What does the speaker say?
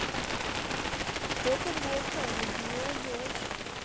тока бока любимая дочь